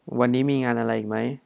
วันนี้มีงานอะไรอีกไหม